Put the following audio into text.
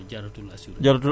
loolu jaratul assurer